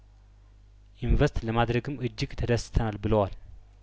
ኢንቨስት ለማድረግም እጅግ ተደስተናል ብለዋል